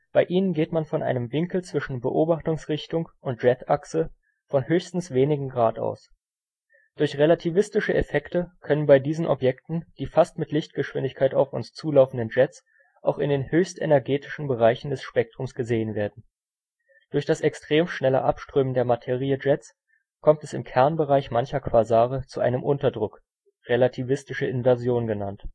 Bei ihnen geht man von einem Winkel zwischen Beobachtungsrichtung und Jetachse von höchstens wenigen Grad aus. Durch relativistische Effekte können bei diesen Objekten die fast mit Lichtgeschwindigkeit auf uns zulaufenden Jets auch in den höchstenergetischen Bereichen des Spektrums „ gesehen “werden. Durch das extrem schnelle Abströmen der Materiejets kommt es im Kernbereich mancher Quasare zu einem Unterdruck, relativistische Inversion genannt